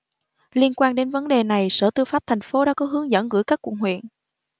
liên quan đến vấn đề này sở tư pháp thành phố đã có hướng dẫn gửi các quận huyện